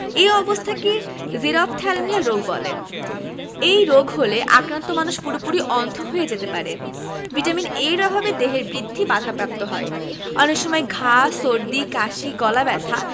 এ অবস্থাকে জেরপ্থ্যালমিয়া রোগ বলে এই রোগ হলে আক্রান্ত মানুষ পুরোপুরি অন্ধ হয়ে যেতে পারে ভিটামিন A এর অভাবে দেহের বৃদ্ধি বাধাপ্রাপ্ত হয় অনেক সময় ঘা সর্দি কাশি গলাব্যথা